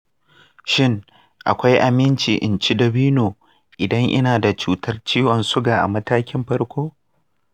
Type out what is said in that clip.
shin akwai aminci in ci dabino idan ina da cutar ciwon suga a matakin farko?